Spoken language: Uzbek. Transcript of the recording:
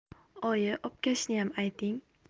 oyi obkashniyam ayting